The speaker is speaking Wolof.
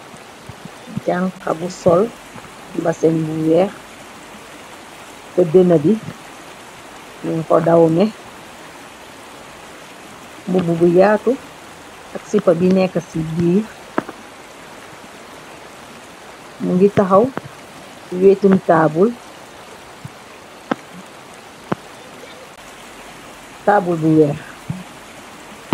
Jànxa bu sol bazin bu weex ca dena bi nugko dawmeh, mubu bu yaatu ak sipa bi nekk ci biir, mu ngi taxaw ci wéetum taabul bu weex.